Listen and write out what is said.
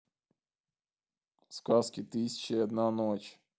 сказки тысячи и одной ночи